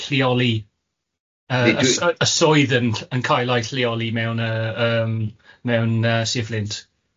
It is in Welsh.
lleoli yy y swydd yn yn cael ei lleoli mewn yy yym mewn yy Sir Fflint.